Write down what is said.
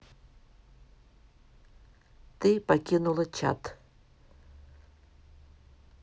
ты покинула чат